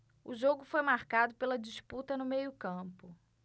o jogo foi marcado pela disputa no meio campo